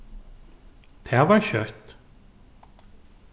tað var skjótt